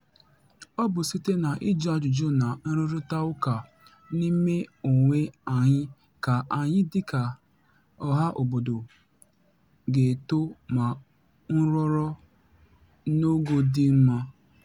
Ọ bụ site na ịjụ ajụjụ na nrịrịtaụka n'ime onwe anyị ka anyị dịka ọhaobodo ga-eto ma nọrọ n'ogo dị mma.